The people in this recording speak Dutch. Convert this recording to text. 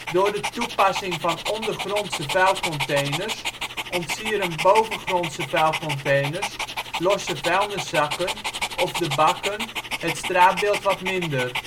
Door de toepassing van ondergrondse vuilcontainers ontsieren bovengrondse vuilcontainers, losse vuilniszakken of de bakken het straatbeeld wat minder